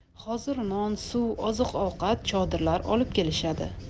hozir non suv oziq ovqat chodirlar olib kelishadi